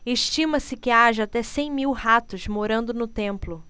estima-se que haja até cem mil ratos morando no templo